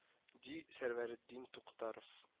Ди сәрвәретдин туктаров